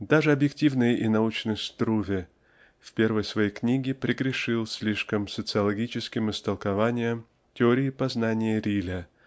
Даже объективный и научный Струве в первой своей книге прегрешил слишком социологическим истолкованием теории познания Риля